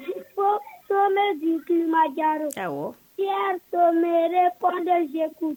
Ko somɛma jaro sago shɛtomɛre kojɛ